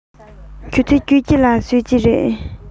ཆུ ཚོད བཅུ གཅིག ལ གསོད ཀྱི རེད